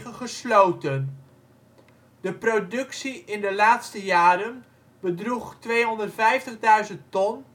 gesloten. De productie in de laatste jaren bedroeg 250.000 ton met 250